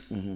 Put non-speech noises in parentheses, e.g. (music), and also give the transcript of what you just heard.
(hesitation) (hesitation)